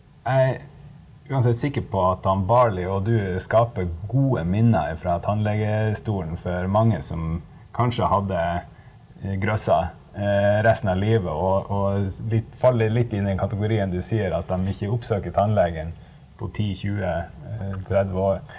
jeg er uansett sikker på at han Barley og du skaper gode minner ifra tannlegestolen for mange som kanskje hadde grøssa resten av livet og og litt faller litt inn i den kategorien du sier at dem ikke oppsøker tannlegen på ti 20 30 år.